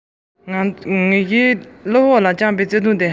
མིག ཆུ ཤོར སྲིད མོད